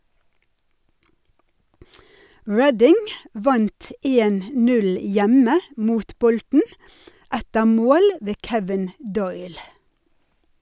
Reading vant 1-0 hjemme mot Bolton etter mål ved Kevin Doyle.